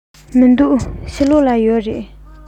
མི འདུག ཕྱི ལོགས ལ ཡོད རེད